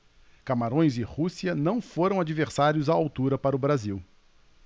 camarões e rússia não foram adversários à altura para o brasil